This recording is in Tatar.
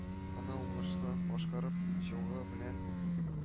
Аны уңышлы башкарып чыгуы белән